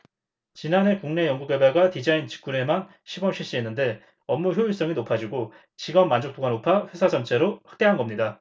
지난해 국내 연구개발과 디자인 직군에만 시범 실시했는데 업무 효율성이 높아지고 직원 만족도가 높아 회사 전체로 확대한 겁니다